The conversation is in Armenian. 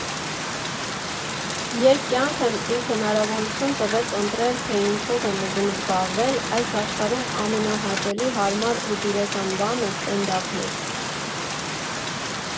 Երբ կյանքն ինձ հնարավորություն տվեց ընտրել, թե ինչով եմ ուզում զբաղվել, այս աշխարհում ամենահաճելի, հարմար ու դուրեկան բանը ստենդափն էր։